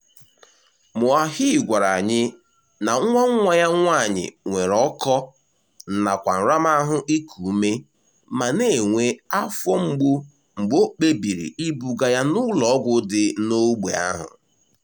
Moahi gwara anyị na nwa nwa ya nwaanyị nwere ọkọ nakwa nramahụ iku ume ma na-enwe afọ mgbu mgbe o kpebiri ibuga ya n'ụlọọgwụ dị n'ógbè ahụ.